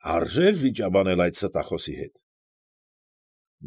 Արժե՞ր վիճաբանել այդ ստախոսի հետ։